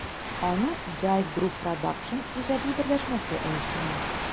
Аны JIVE Group Produсtion иҗади берләшмәсе оештыра.